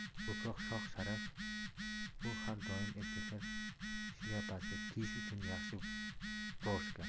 ko'proq shon sharaf bu har doim erkaklar shlyapasida kiyish uchun yaxshi broshka